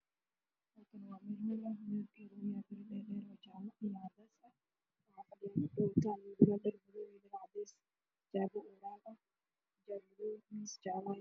Waa maqaayad waxaa iskugu imaaday niman iyo naago